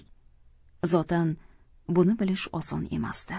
zotan buni bilish oson emasdi